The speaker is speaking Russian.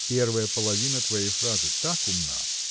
– Первая половина твоей фразы так умна